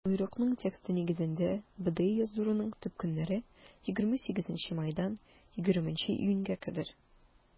Боерыкның тексты нигезендә, БДИ уздыруның төп көннәре - 28 майдан 20 июньгә кадәр.